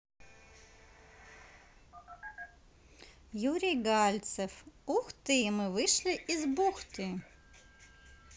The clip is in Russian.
юрий гальцев ух ты мы вышли из бухты